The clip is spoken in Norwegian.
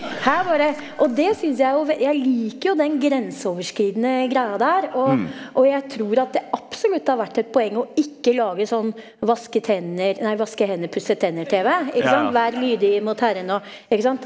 her bare og det syns jeg jo jeg liker jo den grenseoverskridende greia der, og og jeg tror at det absolutt har vært et poeng å ikke lage sånn, vaske tenner nei, vaske-hender-pusse-tenner-tv ikke sant, vær lydig mot herren og ikke sant.